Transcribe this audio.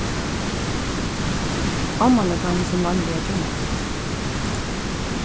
omman er tann sum vanliga ger mat